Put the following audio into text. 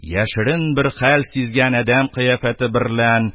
Яшерен бер хәл сизгән адәм кыяфәте берлән,